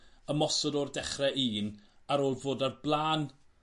ymosod o'r dechre un ar ôl fod ar bla'n